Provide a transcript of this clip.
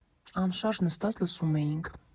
Անշարժ նստած լսում էինք։